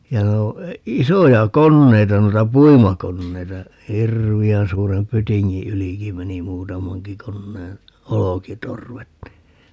ja - isoja koneita noita puimakoneita hirveän suuren pytingin ylikin meni muutamankin koneen olkitorvet niin